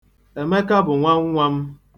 Emeka bụ nwannwa m.